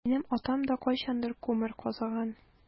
Минем атам да кайчандыр күмер казыган.